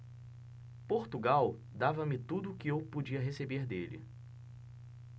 portugal dava-me tudo o que eu podia receber dele